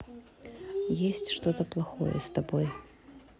есть что то плохое с тобой